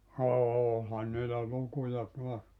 olihan niillä lukuja taas